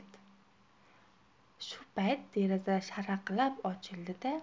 shu payt deraza sharaqlab ochildi da